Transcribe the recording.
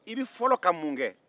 i bɛ fɔlɔ ka mun kɛ